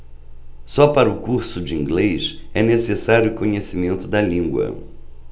só para o curso de inglês é necessário conhecimento da língua